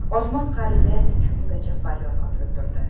osmon qariga ikki kungacha faryod otilib turdi